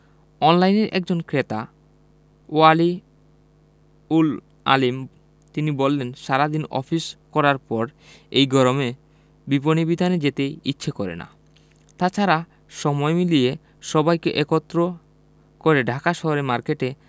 অনলাইনের একজন ক্রেতা ওয়ালি উল আলীম তিনি বলেলন সারা দিন অফিস করার পর এই গরমে বিপণিবিতানে যেতে ইচ্ছে করে না তা ছাড়া সময় মিলিয়ে সবাইকে একত্র করে ঢাকা শহরের মার্কেটে